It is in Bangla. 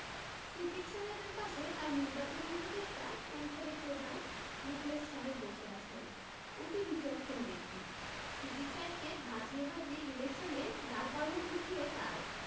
সিদ্দিক সাহেবের পাশে তাঁর নিবাচনী উপদেষ্টা পরিষদের প্রধান মুখলেস সাহেব বসে আছেন অতি বিচক্ষণ ব্যক্তি সিদ্দিক সাহেবকে ভাজিয়ে ভাজিয়ে ইলেকশনে দাঁড় করানোর বুদ্ধিও তাঁর